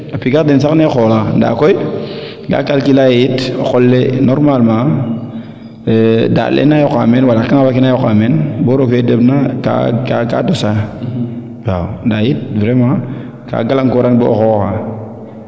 a pigax den sax ne xoola nda koy ga calculer aye yit o qole normalement daand le na yoqa meen wala na yiqa meen bo roog fee demb na ka dosa waaw nda yit vraiment ka galangkorang bo o xooxa